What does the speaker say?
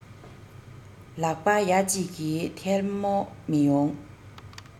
ལག པ ཡ གཅིག གིས ཐལ མོ མི ཡོང